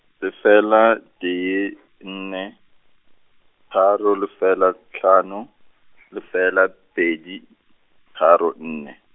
lefela, tee , nne, tharo, lefela, hlano , lefela, pedi, tharo, nne.